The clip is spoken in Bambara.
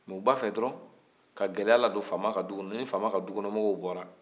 mais u b'a fɛ dɔrɔn ka gɛlɛya ladon fama ka du kɔnɔ ni fama ka du kɔnɔ mɔgɔ bɔra